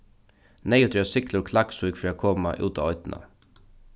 neyðugt er at sigla úr klaksvík fyri at koma út á oynna